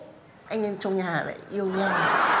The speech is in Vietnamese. anh em trong nhà lại yêu nhau